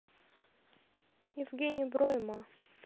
евгений бро и ма